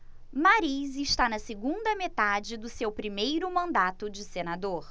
mariz está na segunda metade do seu primeiro mandato de senador